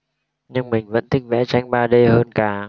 nhưng mình vẫn thích vẽ tranh ba d hơn cả